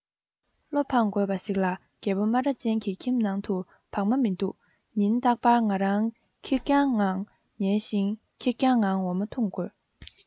བློ ཕངས དགོས པ ཞིག ལ རྒད པོ སྨ ར ཅན གྱི ཁྱིམ ནང དུ བག མ མི འདུག ཉིན རྟག པར ང རང ཁེར རྐྱང ངང ཉལ ཞིང ཁེར རྐྱང ངང འོ མ འཐུང དགོས